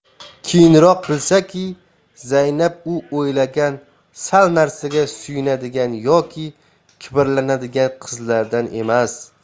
keyinroq bilsaki zaynab u o'ylagan sal narsaga suyuladigan yoki kibrlanadigan qizlardan emas